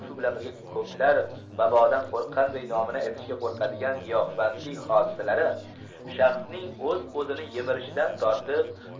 shu bilan birga ko'plar vabodan qo'rqqanday nomini aytishga qo'rqadigan giyohvandlik hodisalari shaxsning o'z o'zini yemirishidan tortib